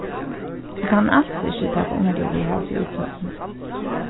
eg kann als ikki taka undir við hasi útsøgnini